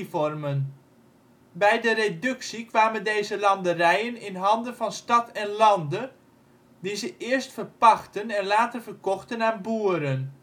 vormen. Bij de reductie kwamen deze landerijen in handen van Stad en Lande, die ze eerst verpachtten en later verkochten aan boeren